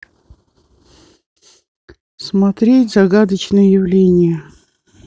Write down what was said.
смотреть загадочные явления